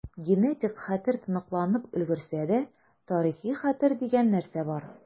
Генетик хәтер тоныкланып өлгерсә дә, тарихи хәтер дигән нәрсә бар.